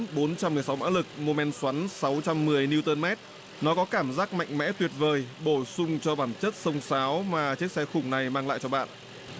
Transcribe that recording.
bốn trăm mười sáu mã lực mô men xoắn sáu trăm mười niu tơn mét nó có cảm giác mạnh mẽ tuyệt vời bổ sung cho bản chất xông xáo mà chiếc xe khủng này mang lại cho bạn